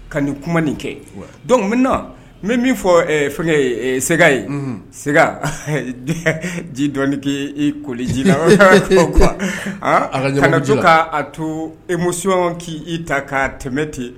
Ka nin kuma nin kɛ donc min na n bɛ min fɔ fɛn sɛgɛ ye ji dɔn k' i koli ji la to k'a to e musosi k' i ta ka tɛmɛmɛ ten